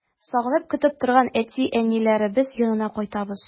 Сагынып көтеп торган әти-әниләребез янына кайтабыз.